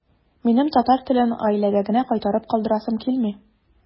Минем татар телен гаиләгә генә кайтарып калдырасым килми.